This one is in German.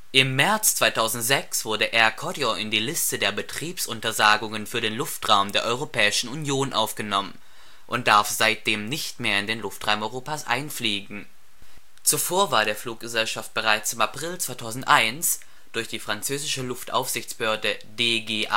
Im März 2006 wurde Air Koryo in die Liste der Betriebsuntersagungen für den Luftraum der Europäischen Union aufgenommen und darf seitdem nicht mehr in den Luftraum Europas einfliegen. Zuvor war der Fluggesellschaft bereits im April 2001 durch die französische Luftaufsichtsbehörde DGAC die